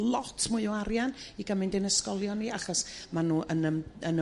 lot mwy o arian i ga'l mynd i'n ysgolion ni achos ma' nhw yn yrm yn